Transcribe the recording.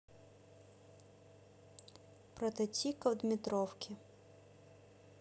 protetica в дмитровке